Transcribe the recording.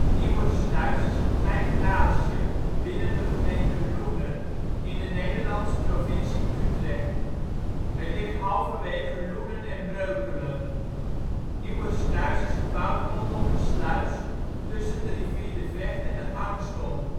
Nieuwersluis is een klein plaatsje binnen de gemeente Loenen in de Nederlandse provincie Utrecht. Het ligt halverwege Loenen en Breukelen. Nieuwersluis is gebouwd rondom een sluis tussen de rivier de Vecht en de Angstel